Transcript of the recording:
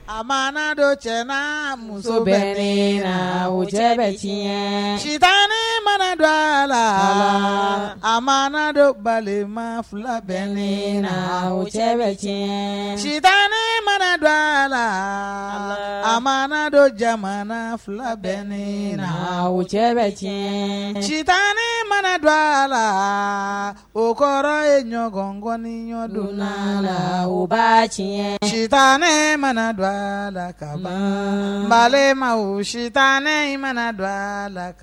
A mana dɔ cɛ muso bɛ wo cɛ bɛ tiɲɛ cita mana don a la a madon balima fila bɛ ne wo cɛ bɛ cɛ cita mana dɔ a la a ma don jamana fila bɛ ne wo cɛ bɛ tiɲɛ cita ne mana don a la o kɔrɔ ye ɲɔgɔnkɔni ɲɔgɔndon la la u ba tiɲɛ cita ne mana don a la ka balima wo sita ne mana don a la